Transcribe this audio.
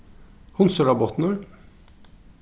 hundsarabotnur